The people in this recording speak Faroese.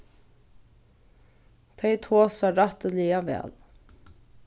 tey tosa rættiliga væl